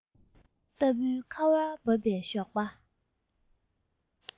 ལྟ བུའི ཁ བ བབས པའི ཞོགས པ